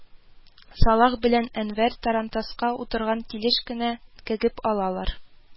Салах белән Әнвәр тарантаска утырган килеш кенә кәгеп алалар